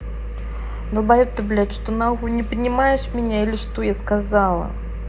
долбоеб ты блядь что нахуй не понимаешь меня или что я сказала